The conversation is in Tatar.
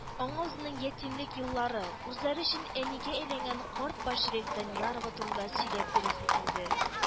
Аңа үзенең ятимлек еллары, үзләре өчен әнигә әйләнгән карт большевик даниярова турында сөйләп бирәсе килде